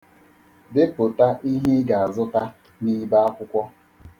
Depụta ihe ị ga-azụta n'ibe akwụkwọ.